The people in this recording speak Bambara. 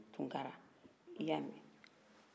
aw tunkara i y'a mɛ